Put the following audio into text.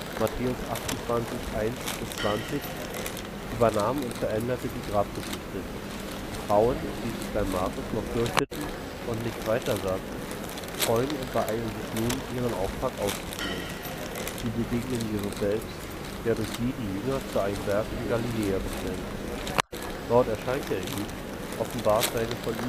Mt 28,1 – 20 übernahm und veränderte die Grabgeschichte: Die Frauen, die sich bei Markus noch fürchteten und nichts weitersagten, freuen und beeilen sich nun, ihren Auftrag auszuführen. Sie begegnen Jesus selbst, der durch sie die Jünger zu einem Berg in Galiläa bestellt. Dort erscheint er ihnen, offenbart seine ihm von